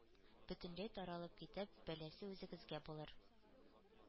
Бөтенләй таралып китеп, бәласе үзегезгә булыр.